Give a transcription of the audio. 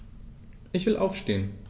Ich will aufstehen.